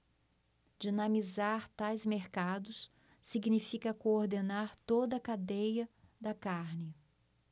dinamizar tais mercados significa coordenar toda a cadeia da carne